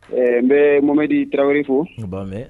Ɛɛ n bɛ momadi taraweleri fo